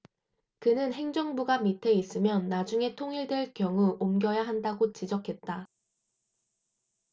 그는 행정부가 밑에 있으면 나중에 통일될 경우 옮겨야 한다고 지적했다